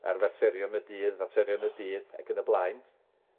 ar faterion y dydd, faterion y dydd ac yn y blaen.